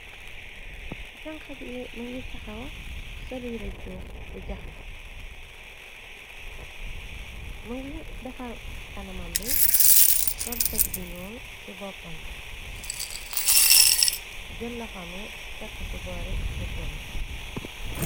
Janx bi ma ngi taxaw soli rëccu bu jaxasi ma ngi defar kanamam bi sol teg bu nuul ci boppambi jëlloxo mi tekk ci boori luppa mi.